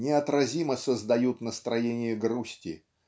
неотразимо создают настроение грусти